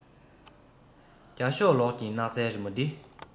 རྒྱ ཤོག ལོགས ཀྱི སྣག ཚའི རི མོ འདི